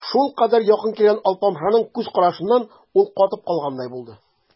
Шулкадәр якын килгән алпамшаның күз карашыннан ул катып калгандай булды.